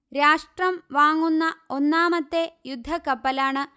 രാഷ്ട്രം വാങ്ങുന്ന ഒന്നാമത്തെ യുദ്ധക്കപ്പലാണ്